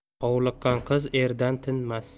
hovliqqan qiz erdan tinmas